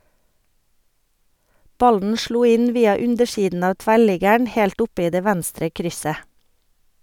Ballen slo inn via undersiden av tverrliggeren helt oppe i det venstre krysset.